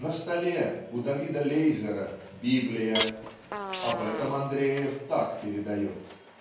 На столе у Давида Лейзера библия - об этом Андреев так передает: ".